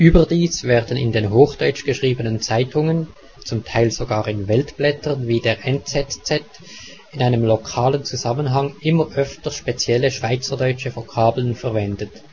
Überdies werden in den hochdeutsch geschriebenen Zeitungen (zum Teil sogar in Weltblättern wie der " NZZ ") in einem lokalen Zusammenhang immer öfter spezielle schweizerdeutsche Vokabeln verwendet